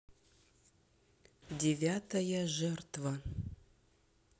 девятая жертва